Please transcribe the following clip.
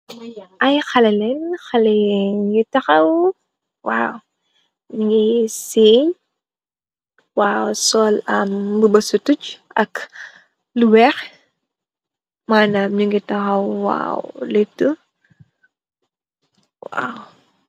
Ñii ay xalé lañge, xalé ñu ngi taxaw, waaw. Ñu ngee sëy, mbuba sutuge maanam, mu ngi taxaw, waaw, lëëtu.